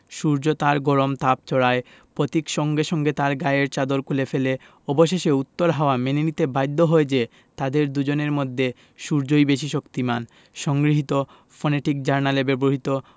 সূর্য তার গরম তাপ ছড়ায় পথিক সঙ্গে সঙ্গে তার গায়ের চাদর খুলে ফেলে অবশেষে উত্তর হাওয়া মেনে নিতে বাধ্য হয় যে তাদের দুজনের মধ্যে সূর্যই বেশি শক্তিমান সংগৃহীত ফনেটিক জার্নালে ব্যবহিত